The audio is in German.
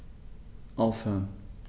Aufhören.